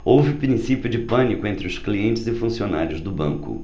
houve princípio de pânico entre os clientes e funcionários do banco